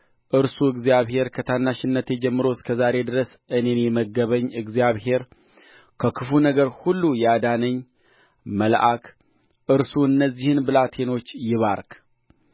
እርሱ እግዚአብሔር ከታናሽነቴ ጀምሮ እስከ ዛሬ ድረስ እኔን የመገበኝ እግዚአብሔር ከክፉ ነገር ሁሉ ያዳነኝ መልአክ እርሱ እነዚህን ብላቴኖች ይባርክ